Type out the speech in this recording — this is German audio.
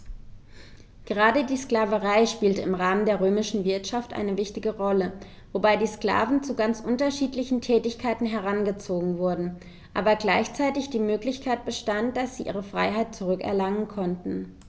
Gerade die Sklaverei spielte im Rahmen der römischen Wirtschaft eine wichtige Rolle, wobei die Sklaven zu ganz unterschiedlichen Tätigkeiten herangezogen wurden, aber gleichzeitig die Möglichkeit bestand, dass sie ihre Freiheit zurück erlangen konnten.